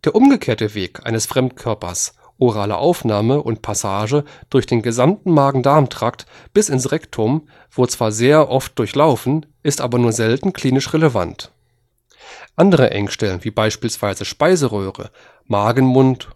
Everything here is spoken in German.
umgekehrte Weg eines Fremdkörpers – orale Aufnahme und Passage durch den gesamten Magen-Darm-Trakt bis ins Rektum – wird zwar sehr oft durchlaufen, ist aber nur selten klinisch relevant. Andere Engstellen wie beispielsweise Speiseröhre, Magenmund